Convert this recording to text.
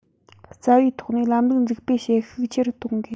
རྩ བའི ཐོག ནས ལམ ལུགས འཛུགས སྤེལ བྱེད ཤུགས ཆེ རུ གཏོང དགོས